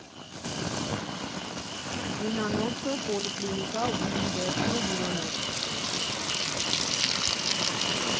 Զինանոցը՝ պոլիկլինիկա, ու, ի վերջո, հյուրանոց։